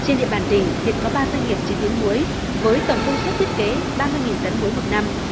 trên địa bàn tỉnh hiện có ba doanh nghiệp chế biến muối với tổng công suất thiết kế ba mươi nghìn tấn muối một năm